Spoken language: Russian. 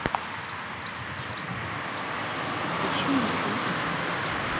включи мне фильмы марвел